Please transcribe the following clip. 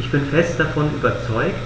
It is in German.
Ich bin fest davon überzeugt,